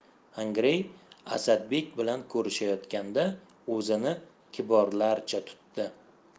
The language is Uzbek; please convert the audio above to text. xongirey asadbek bilan ko'rishayotganda o'zini kiborlarcha tutdi